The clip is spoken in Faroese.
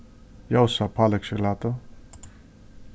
ljósa páleggsjokulátu